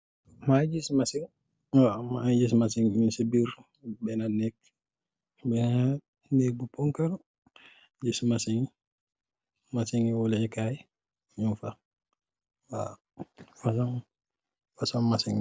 Mba ngi guiss machine, wa ma ngi guiss machine nju si birr bena nage, bena nage bou poncal guiss machine, machine ni woulaikai mounfa waw facion, facion machine